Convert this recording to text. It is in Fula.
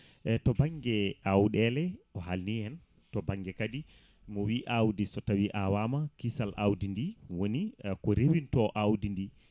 e to banggue awɗele o haalni en to banggue kadi mo awdi sotawi awama kisal awdi ndi woni ko reeminto awdi ndi